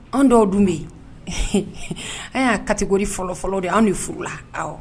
An dɔw dun bɛ ye an y'a catégorie fɔlɔ fɔlɔ de ye anw de furula awɔ.